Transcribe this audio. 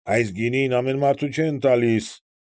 Այս գինին ամեն մարդու չեն տալիս։